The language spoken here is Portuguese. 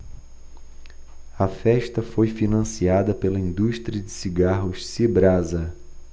a festa foi financiada pela indústria de cigarros cibrasa